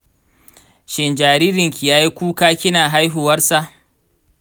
shin jaririnki yayi kuka kina haihuwansa?